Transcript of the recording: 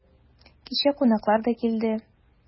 Кичә кунаклар да килде.